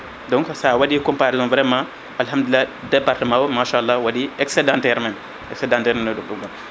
donc sa waɗi comparaison vraiment Alhamdulillah département o machallah waɗi excédentaire méme excédentaire *